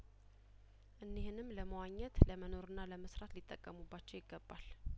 እኒህንም ለመዋኘት ለመኖርና ለመስራት ሊጠቀሙባቸው ይገባል